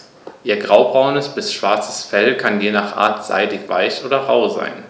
Ihr graubraunes bis schwarzes Fell kann je nach Art seidig-weich oder rau sein.